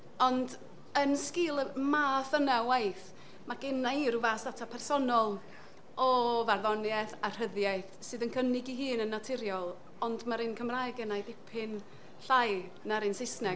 Ond, yn sgil y math yna o waith, ma' gynna i ryw fas data personol o farddoniaeth a rhyddiaeth sydd yn cynnig ei hun yn naturiol, ond ma'r un Cymraeg yna dipyn llai na'r un Saesneg.